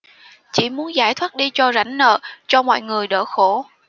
chỉ muốn giải thoát đi cho rảnh nợ cho mọi người đỡ khổ